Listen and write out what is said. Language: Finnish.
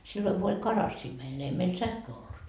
silloin kun oli karassia meillä ne ei meillä sähköä ollut